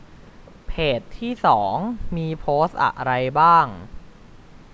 เพจที่สองมีโพสต์อะไรบ้าง